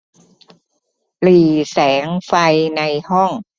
หรี่แสงไฟในห้อง